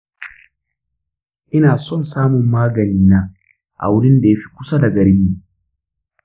ina son samun maganina a wurin da ya fi kusa da garinmu.